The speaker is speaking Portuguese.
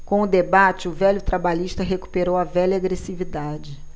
com o debate o velho trabalhista recuperou a velha agressividade